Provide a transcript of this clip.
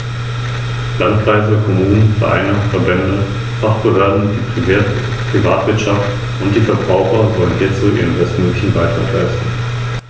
Nistplätze an Felsen liegen meist in Höhlungen oder unter Überhängen, Expositionen zur Hauptwindrichtung werden deutlich gemieden.